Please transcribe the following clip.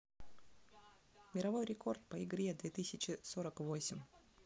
мировой рекорд по игре две тысячи сорок восемь